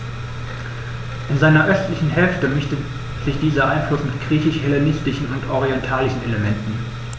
In seiner östlichen Hälfte mischte sich dieser Einfluss mit griechisch-hellenistischen und orientalischen Elementen.